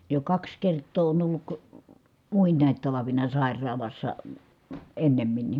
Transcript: jo kaksi kertaa on ollut muinakin talvina sairaalassa ennemminkin